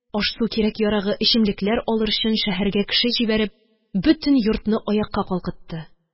Аш-су кирәк-ярагы, эчемлекләр алыр өчен шәһәргә кеше җибәреп, бөтен йортны аякка калкытты.